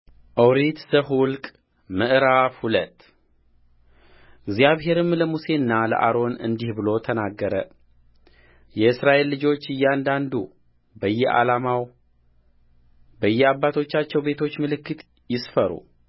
ኦሪት ዘኍልቍ ምዕራፍ ሁለት እግዚአብሔርም ለሙሴና ለአሮን እንዲህ ብሎ ተናገረየእስራኤል ልጆች እያንዳንዱ በየዓላማው በየአባቶቻቸው ቤቶች ምልክት ይስፈሩ